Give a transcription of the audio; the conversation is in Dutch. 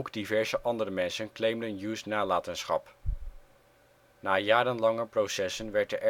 diverse andere mensen claimden Hughes ' nalatenschap. Na jarenlange processen werd